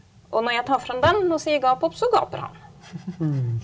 og når jeg tar fram den og sier gap opp, så gaper han.